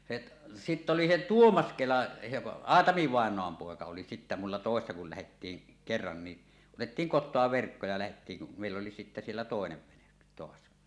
se sitten oli se Tuomas Kela se Aatami vainaan poika oli sitten minulla töissä kun lähdettiin kerran niin otettiin kotoa verkko ja lähdettiin meille oli sitten siellä toinen vene taas